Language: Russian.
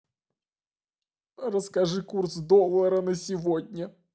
расскажи курс доллара на сегодня